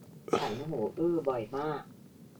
ฉันหูอื้อบ่อยมาก